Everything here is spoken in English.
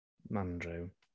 Andrew.